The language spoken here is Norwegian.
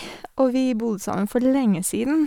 Og vi bodde sammen for lenge siden.